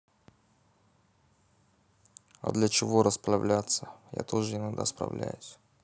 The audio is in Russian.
а для чего расправляться я тоже иногда справляюсь